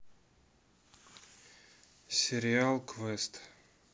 сериал квест